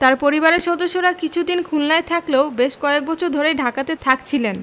তাঁর পরিবারের সদস্যরা কিছুদিন খুলনায় থাকলেও বেশ কয়েক বছর ধরে ঢাকাতে থাকছিলেন